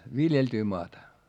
viljeltyä maata